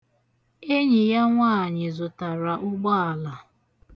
Enyi ya nwaanyị zụtara ụgbaala.